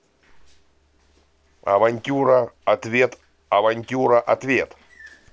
авантюра ответ авантюра ответ